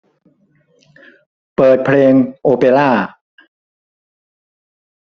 เปิดเพลงโอเปร่า